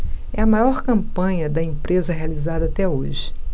é a maior campanha da empresa realizada até hoje